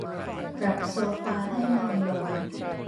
ปรับโซฟาให้นอนลง